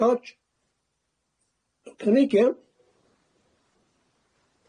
Codge? Cynnig ia?